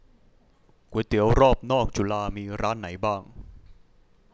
ก๋วยเตี๋ยวรอบนอกจุฬามีร้านไหนบ้าง